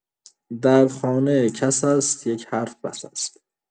در خانه کس است یک حرف بس است